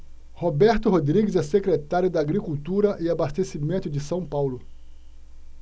roberto rodrigues é secretário da agricultura e abastecimento de são paulo